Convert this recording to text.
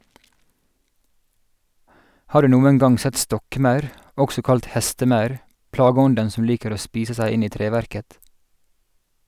Har du noen gang sett stokkmaur, også kalt hestemaur, plageånden som liker å spise seg inn i treverket?